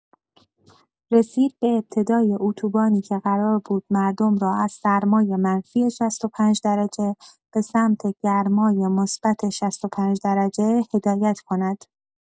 رسید به ابتدای اتوبانی که قرار بود مردم را از سرمای منفی ۶۵ درجه به‌سمت گرمای مثبت ۶۵ درجه هدایت کند؛